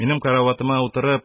Минем кроватема утырып,